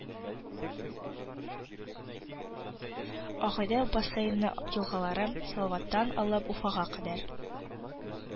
Агыйдел бассейны елгалары: Салаваттан алып Уфага кадәр